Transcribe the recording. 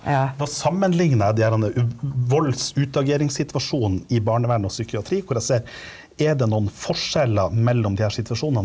da sammenligna jeg de herre voldsutageringssituasjonene i barnevern og psykiatri hvor jeg ser er det noen forskjeller mellom de her situasjonene?